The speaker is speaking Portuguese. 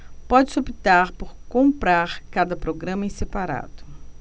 pode-se optar por comprar cada programa em separado